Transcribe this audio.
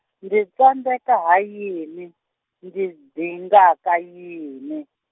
ndzi tsandzeka ha yini, ndzi dingaka yini?